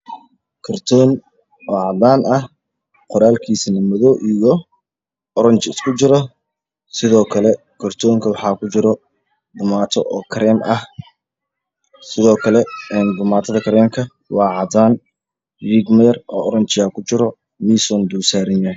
Waa kartoon oo cadaan ah qoraalkiisa waa madow iyo oranji iskugu jiro waxaa kujiro boomaato kareem ah waa cadaan riigriigmo yar oranji ah ayaa kujiro miis ayay dulsaaran tahay.